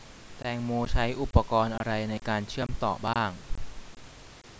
แตงโมใช้อุปกรณ์อะไรในการเชื่อมต่อบ้าง